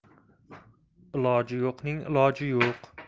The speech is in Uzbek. iloji yo'qning iloji yo'q